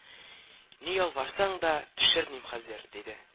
Ни ялварсаң да төшермим хәзер! — диде.